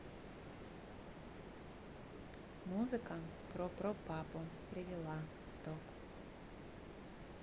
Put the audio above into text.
музыка про про папу привела стоп